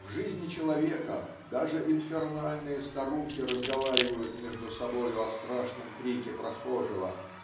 В "Жизни человека" даже инфернальные старухи разговаривают между собою о страшном крике прохожего